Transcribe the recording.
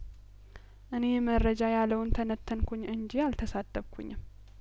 እኔ መረጃ ያለውን ተነተንኩኝ እንጂ አልተሳደብኩኝም